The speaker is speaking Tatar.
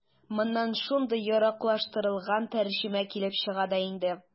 Моннан шундый яраклаштырылган тәрҗемә килеп чыга да инде.